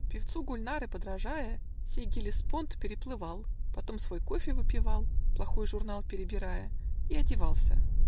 Певцу Гюльнары подражая, Сей Геллеспонт переплывал, Потом свой кофе выпивал, Плохой журнал перебирая, И одевался. .